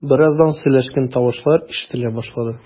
Бераздан сөйләшкән тавышлар ишетелә башлады.